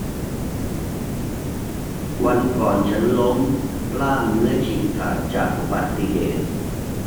วันก่อนฉันล้มกล้ามเนื้อฉีกขาดจากอุบัติเหตุ